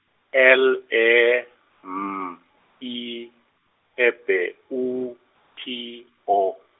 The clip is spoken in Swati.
L, E, M, I, e B, U, T, O.